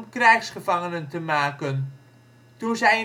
krijgsgevangenen te maken. Toen zij